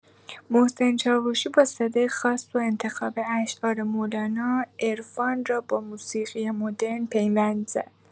محسن چاوشی با صدای خاص و انتخاب اشعار مولانا، عرفان را با موسیقی مدرن پیوند زد.